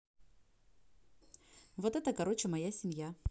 вот это короче моя семья